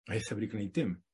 A hithe wedi gwneud dim.